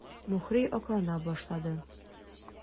Мухрый аклана башлады.